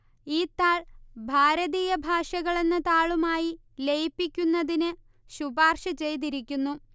ഈ താൾ ഭാരതീയ ഭാഷകൾ എന്ന താളുമായി ലയിപ്പിക്കുന്നതിന് ശുപാർശ ചെയ്തിരിക്കുന്നു